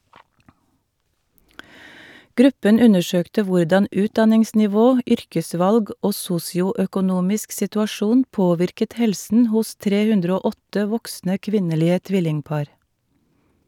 Gruppen undersøkte hvordan utdanningsnivå, yrkesvalg og sosioøkonomisk situasjon påvirket helsen hos 308 voksne kvinnelige tvillingpar.